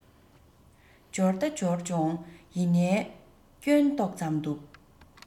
འབྱོར ད འབྱོར བྱུང ཡིན ནའི སྐྱོན ཏོག ཙམ འདུག